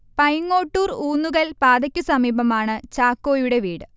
പൈങ്ങോട്ടൂർ - ഊന്നുകൽ പാതയ്ക്ക് സമീപമാണ് ചാക്കോയുടെ വീട്